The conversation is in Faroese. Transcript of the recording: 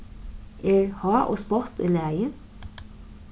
er háð og spott í lagi